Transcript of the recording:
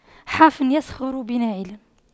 حافٍ يسخر بناعل